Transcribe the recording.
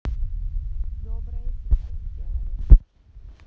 доброе сейчас сделали